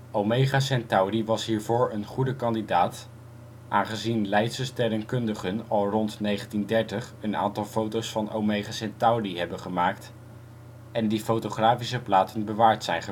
Omega Centauri was hiervoor een goede kandidaat, aangezien Leidse sterrenkundigen al rond 1930 een aantal foto’ s van Omega Centauri hebben gemaakt, en die fotografische platen bewaard zijn